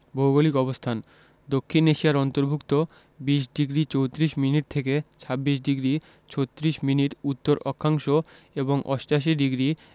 ভৌগোলিক অবস্থানঃ দক্ষিণ এশিয়ার অন্তর্ভুক্ত ২০ডিগ্রি ৩৪ মিনিট থেকে ২৬ ডিগ্রি ৩৮ মিনিট উত্তর অক্ষাংশ এবং ৮৮ ডিগ্রি